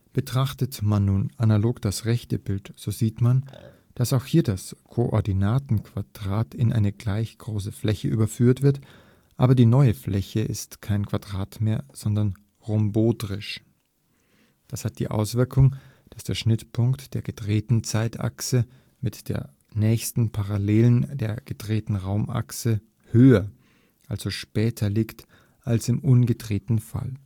Betrachtet man nun analog das rechte Bild, so sieht man, dass auch hier das Koordinatenquadrat in eine gleich große Fläche überführt wird, aber die neue Fläche ist kein Quadrat mehr, sondern rhomboedrisch. Das hat die Auswirkung, dass der Schnittpunkt der „ gedrehten “Zeitachse (gelb) mit der nächsten Parallelen der gedrehten Raumachse (hellbraun) höher, also später liegt als im ungedrehten Fall